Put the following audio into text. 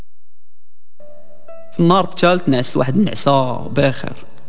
مرت شلت ناس واحد من عصابه اخر